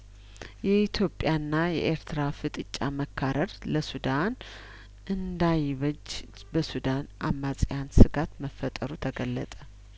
የኢትዮጵያ ና የኤርትራ ፍጥጫ መካረር ለሱዳን እንዳይበጅ በሱዳን አማጺያን ስጋት መፈጠሩ ተገለጠ